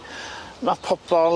Ma' pobol